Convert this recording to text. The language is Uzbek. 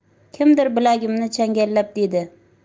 kimdir bilagimni changallab dedi